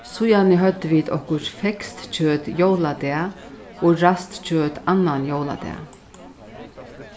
síðani høvdu vit okkurt feskt kjøt jóladag og ræst kjøt annan jóladag